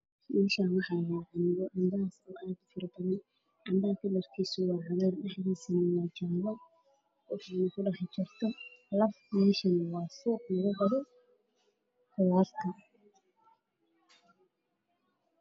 Meeshaan waxaa yaalo cambo aad u faro badan kalarkiisu uu yahay cagaar waxaa kudhex jirto laf. Meesha waa suuq lugu gado qudaarta.